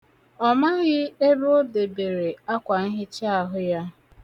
Ọ maghị ebe o debere akwanhichaahụ ya.